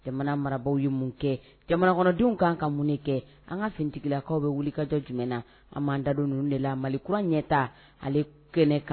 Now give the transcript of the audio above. Jamana marabagaw ye mun kɛ jamana kɔnɔdenw kan ka mun kɛ an ka ftigilakaw bɛ wuli ka jɔ jumɛn an'an dadenw ninnu de la mali kurauran ɲɛta ale kɛnɛkan